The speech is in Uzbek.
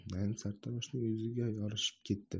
naim sartaroshning yuzi yorishib ketdi